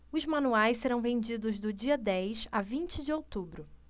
os manuais serão vendidos do dia dez a vinte de outubro